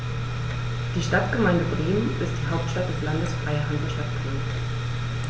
Die Stadtgemeinde Bremen ist die Hauptstadt des Landes Freie Hansestadt Bremen.